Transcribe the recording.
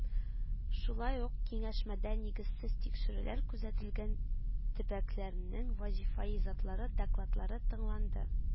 Шулай ук киңәшмәдә нигезсез тикшерүләр күзәтелгән төбәкләрнең вазифаи затлары докладлары тыңланды